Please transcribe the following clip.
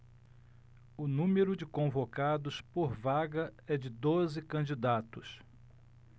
o número de convocados por vaga é de doze candidatos